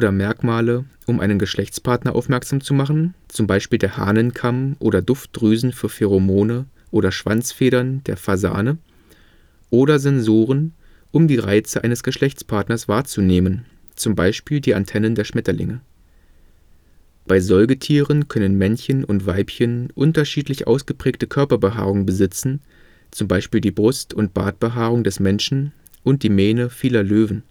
Merkmale, um einen Geschlechtspartner aufmerksam zu machen (z. B. der Hahnenkamm oder Duftdrüsen für Pheromone oder Schwanzfedern der Fasane) oder Sensoren, um die Reize eines Geschlechtspartners wahrzunehmen (z. B. die Antennen der Schmetterlinge). Bei Säugetieren können Männchen und Weibchen unterschiedlich ausgeprägte Körperbehaarung besitzen (z. B. die Brust - und Bartbehaarung des Menschen, Mähne vieler Löwen